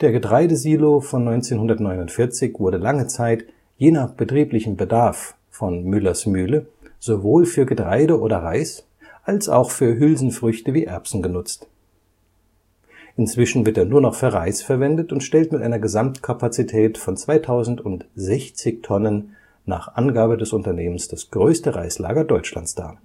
Getreidesilo von 1949 wurde lange Zeit je nach betrieblichem Bedarf von Müller’ s Mühle sowohl für Getreide oder Reis als auch für Hülsenfrüchte wie Erbsen genutzt. Inzwischen wird er nur noch für Reis verwendet und stellt mit einer Gesamtkapazität von 2060 Tonnen nach Angabe des Unternehmens das „ größte Reislager Deutschlands “dar